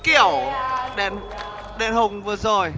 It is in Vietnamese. kiểu đền đền hùng vừa rồi